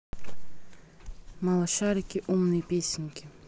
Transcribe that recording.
малышарики умные песенки